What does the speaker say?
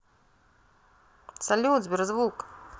салют сберзвук